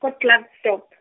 ko Klerksdorp.